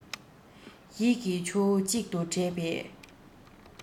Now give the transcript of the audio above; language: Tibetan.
ཡིད ཀྱི ཆུ བོ གཅིག ཏུ འདྲེས པའི